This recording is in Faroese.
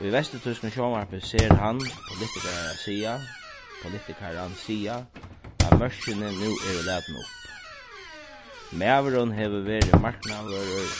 í vesturtýskum sjónvarpi sær hann politikarar siga politikaran siga at mørkini nú eru latin upp maðurin hevur verið marknaðarvørður